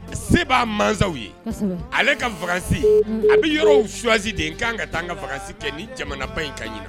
A se b'a mansaw ye ale ka fangaganse a bɛ yɔrɔw suwasi de ka kan ka taa an ka fangagansi kɛ ni jamanaba in ka ɲin